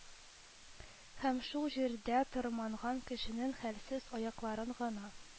Һәм шул җирдә тырманган кешенең хәлсез аякларын гына